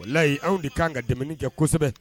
Walayi anw de kan ka dɛmɛni kɛ kosɛbɛ